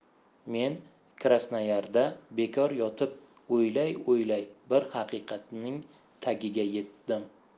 men krasnoyarda bekor yotib o'ylay o'ylay bir haqiqatning tagiga yetdim